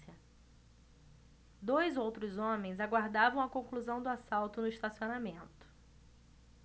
dois outros homens aguardavam a conclusão do assalto no estacionamento